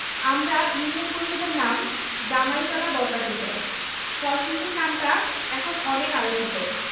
আমরা ইউনিয়ন পরিষদের নাম গামারিতলা বদলাতে চাই কলসিন্দুর নামটা এখন অনেক আলোচিত